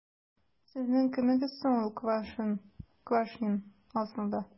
Сезнең кемегез соң ул Квашнин, асылда? ..